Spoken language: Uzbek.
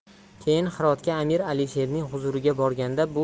keyin hirotga amir alisherning huzuriga borganda